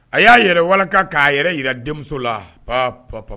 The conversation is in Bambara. A ya yɛrɛ walaka ka yɛrɛ yira denmuso la pa pa